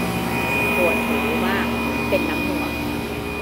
ปวดหูมากเหมือนเป็นน้ำหนวก